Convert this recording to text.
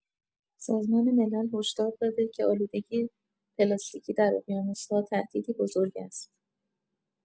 سازمان ملل هشدار داده که آلودگی پلاستیکی در اقیانوس‌ها تهدیدی بزرگ است.